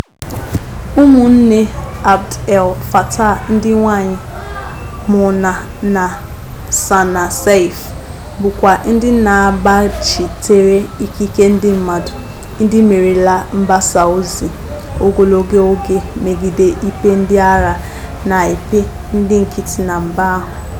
Ụmụnne Abd El Fattah ndị nwaanyi, Mona na Sanaa Seif, bụkwa ndị na-agbachitere ikike ndị mmadụ, ndị merela mgbasa ozi ogologo oge megide ikpe ndị agha na-ekpe ndị nkịtị na mba ahụ.